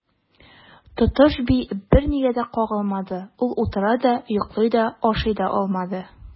Тотыш би бернигә дә кагылмады, ул утыра да, йоклый да, ашый да алмады.